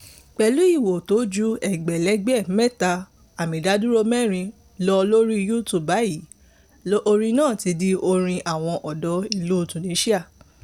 Pẹ̀lú ìwò tí ó ju ẹgbẹ̀lẹ́gbẹ̀ 3.4 lọ lórí YouTube báyìí, orin náà ti di orin àwọn Ọ̀dọ́ ilu Tunisia.